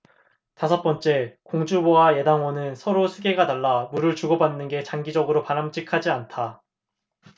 다섯째 공주보와 예당호는 서로 수계가 달라 물을 주고받는 게 장기적으로 바람직하지 않다